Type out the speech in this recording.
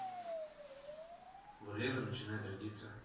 валера начинает родиться